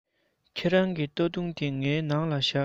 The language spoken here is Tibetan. ཁྱེད རང གི གོས ཐུང ངའི ནང ལ བཞག ཡོད